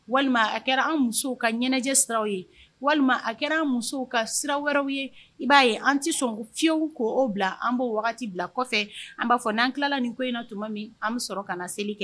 Walima a kɛra an musow ka ɲɛnajɛɛnɛ siraw ye walima a kɛra an musow ka sira wɛrɛw ye i b'a ye an tɛ sɔn fiyewuw k' o bila an' wagati bila kɔfɛ an b'a fɔ n'an tilala ni nin ko in na tuma min an bɛ sɔrɔ kana na seli kɛ